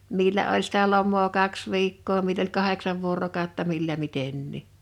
millä oli sitä lomaa kaksi viikkoa millä oli kahdeksan vuorokautta millä mitenkin